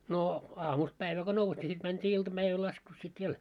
no aamusta päivää kun nousi niin sitten mentiin iltapäivällä laskussa sitten vielä